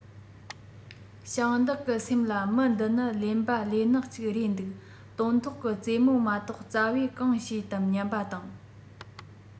ཞིང བདག གི སེམས ལ མི འདི ནི གླེན པ གླེན ནག ཅིག རེད འདུག སྟོན ཐོག གི ཙེ མོ མ གཏོགས ཙ བས གང བྱེད དམ སྙམ པ དང